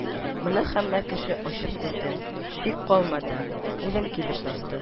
Моны һәммә кеше ачык күрде, шик калмады, үлем килеп бас